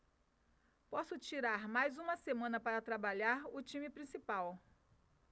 posso tirar mais uma semana para trabalhar o time principal